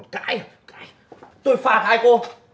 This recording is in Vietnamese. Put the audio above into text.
cãi à cãi tôi phạt hai cô